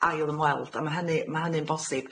ail ymweld a ma' hynny ma' hynny'n bosib.